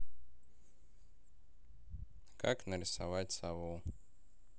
как нарисовать сову